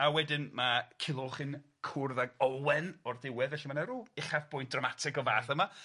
A wedyn ma' Culwch yn cwrdd ag Olwen o'r diwedd, felly ma' 'na ryw uchafbwynt dramatig o fath yma,